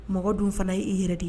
Mɔgɔ dun fana y'i yɛrɛ de ye